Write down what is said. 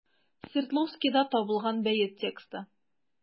Свердловскида табылган бәет тексты.